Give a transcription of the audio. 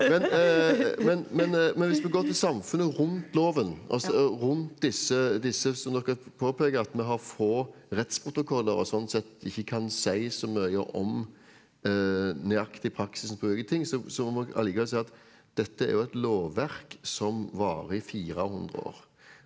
men men men men hvis vi går til samfunnet rundt loven altså rundt disse disse som dere påpeker at vi har få rettsprotokoller og sånn sett ikke kan si så mye om nøyaktig praksisen på ulike ting så så må eg likevel si at dette er jo et lovverk som varer i 400 år.